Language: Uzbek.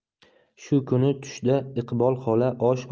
shu kuni tushda iqbol xola osh